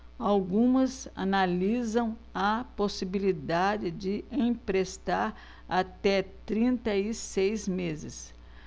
algumas analisam a possibilidade de emprestar até trinta e seis meses